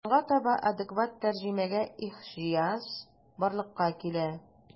Соңга таба адекват тәрҗемәгә ихҗыяҗ барлыкка килә.